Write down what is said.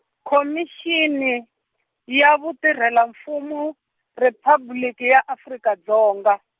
Khomixini, ya Vutirhela-Mfumo, Riphabliki ya Afrika Dzonga.